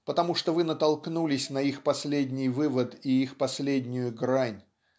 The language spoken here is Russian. потому что вы натолкнулись на их последний вывод и их последнюю грань